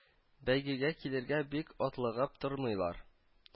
Бәйгегә килергә бик атлыгып тормыйлар